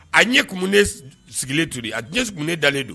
A ɲɛ kun sigilen tun de a kun ne dalenlen don